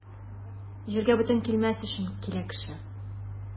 Җиргә бүтән килмәс өчен килә кеше.